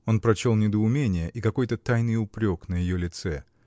Он прочел недоумение и какой-то тайный упрек на ее лице.